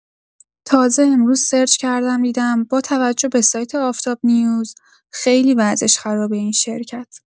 تازه امروز سرچ کردم دیدم با توجه به سایت آفتاب نیوز خیلی وضعش خرابه این شرکت!